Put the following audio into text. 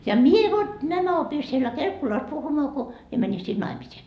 ja minä vot nämä opin siellä Kelkkulassa puhumaan kun minä menin sinne naimisiin